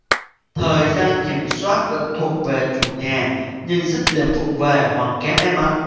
thời gian kiểm soát vẫn thuộc về chủ nhà nhưng dứt điểm vụng về hoặc kém may mắn